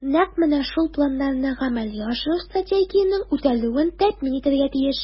Нәкъ менә шул планнарны гамәлгә ашыру Стратегиянең үтәлүен тәэмин итәргә тиеш.